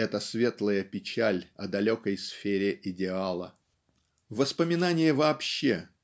эта светлая печаль о далекой сфере идеала. Воспоминание вообще